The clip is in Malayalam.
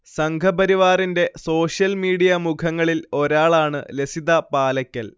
സംഘപരിവാറിന്റെ സോഷ്യൽ മീഡിയ മുഖങ്ങളിൽ ഒരാളാണ് ലസിത പാലയ്ക്കൽ